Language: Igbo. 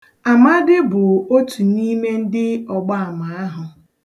Amadị bụ otu n'ime ndi ọgbaama ahụ.